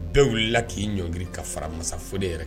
Bɛɛ wulila la k'i ɲɔngri ka fara mansafo de yɛrɛ